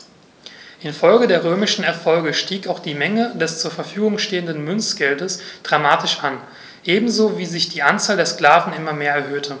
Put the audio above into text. Infolge der römischen Erfolge stieg auch die Menge des zur Verfügung stehenden Münzgeldes dramatisch an, ebenso wie sich die Anzahl der Sklaven immer mehr erhöhte.